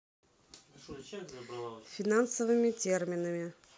финансовыми терминами